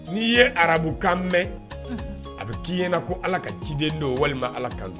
N'i ye arabukan mɛn a bɛ k'i ɲɛna ko ala ka ciden don walima ala kan